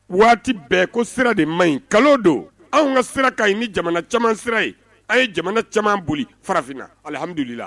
Waati bɛɛ ko sira de man ɲi kalo don anw ka sira ka ɲi ni jamana caman sira ye a ye jamana caman boli farafinna alihamdulila la